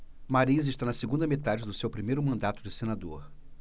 mariz está na segunda metade do seu primeiro mandato de senador